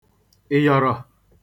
ị̀yọ̀rọ̀